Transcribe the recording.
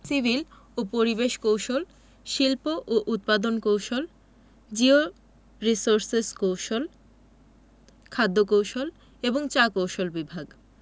civil ও পরিবেশ কৌশল শিল্প ও উৎপাদন কৌশল জিওরির্সোসেস কৌশল খাদ্য কৌশল এবং চা কৌশল বিভাগ